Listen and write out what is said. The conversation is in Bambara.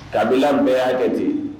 Kabila bɛɛ y'a kɛ ten